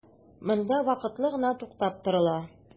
Монда вакытлы гына туктап торыла.